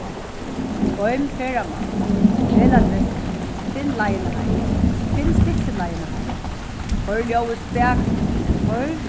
goym ferðamál vel adressu finn leiðina heim finn stytsti leiðina heim koyr ljóðið koyr